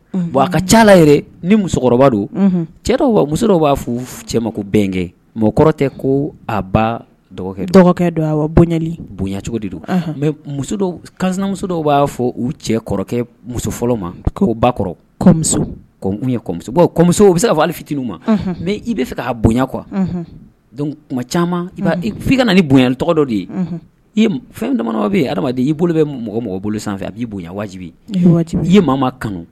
A ka ca yɛrɛ ni musokɔrɔba don dɔ b'a cɛ mako bɛnkɛ mɔgɔ kɔrɔ ko a ba dɔgɔkɛ dɔgɔkɛ dɔ a bonyali bonyacogo de don mɛ musomuso dɔw b'a fɔ u cɛ kɔrɔkɛ muso fɔlɔ ma ba kɔrɔ kɔmusokun kɔ kɔ u bɛ se ka fɔ' fitininu ma mɛ i b bɛa fɛ k ka bonya kɔ kuma caman'i ka nin bonyayan tɔgɔ dɔ de ye fɛn bamananw bɛ ye adamadamadenya y'i bolo bɛ mɔgɔ mɔgɔ bolo sanfɛ a b'i bonyayan wajibi i ye maa kanu